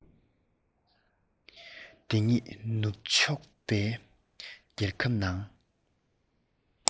འདི ཉིད ནུབ ཕྱོགས པའི རྒྱལ ཁབ ནང